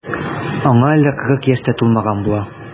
Аңа әле кырык яшь тә тулмаган була.